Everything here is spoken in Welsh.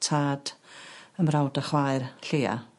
tad 'ym mrawd a chwaer lleia.